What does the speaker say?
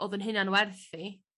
O'dd yn hunan werth i